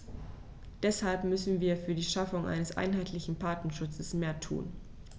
Deshalb müssen wir für die Schaffung eines einheitlichen Patentschutzes mehr tun.